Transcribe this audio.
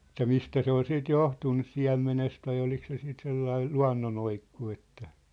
että mistä se oli sitten johtunut nyt siemenestä vai oliko se sitten sellainen luonnonoikku että